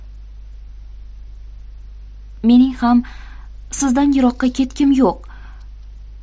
mening ham sizdan yiroqqa ketkim yo'q